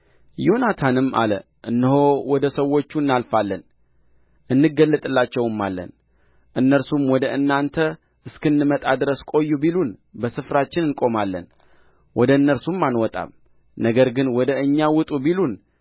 ዮናታንም አለ እነሆ ወደ ሰዎቹ እናልፋለን እንገለጥላቸውማለን እነርሱም ወደ እናንተ እስክንመጣ ድረስ ቆዩ ቢሉን በስፍራችን እንቆማለን ወደ እነርሱም አንወጣም ነገር ግን ወደ እኛ ውጡ ቢሉን